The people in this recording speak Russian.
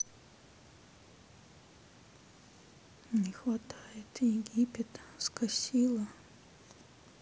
не хватает египет скосило